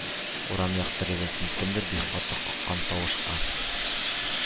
Урам як тәрәзәсен кемдер бик каты каккан тавышка